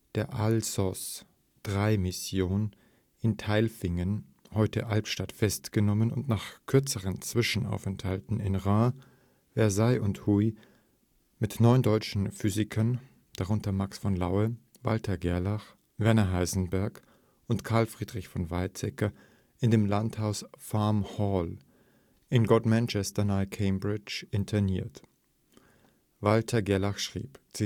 der Alsos-III-Mission in Tailfingen (heute: Albstadt) festgenommen und nach kürzeren Zwischenaufenthalten in Reims, Versailles und Huy mit neun deutschen Physikern (darunter Max von Laue, Walther Gerlach, Werner Heisenberg und Carl Friedrich von Weizsäcker) in dem Landhaus Farm Hall, in Godmanchester nahe Cambridge (England), interniert. Walther Gerlach schreibt